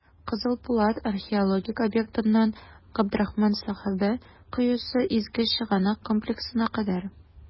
«кызыл пулат» археологик объектыннан "габдрахман сәхабә коесы" изге чыганак комплексына кадәр.